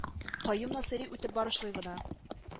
Каюм насыйри үтеп барышлый гына